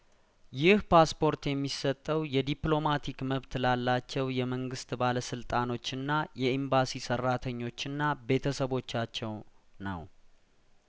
ይህ ፓስፖርት የሚሰጠው የዲፕሎማቲክ መብት ላላቸው የመንግስት ባለስልጣኖችና የኤምባሲ ሰራተኞችና ቤተሰቦቻቸው ነው